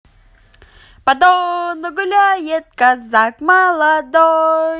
по дону гуляет казак молодой